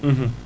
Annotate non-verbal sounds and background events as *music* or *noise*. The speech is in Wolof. *hesitation* *hesitation*